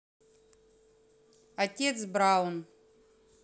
отец браун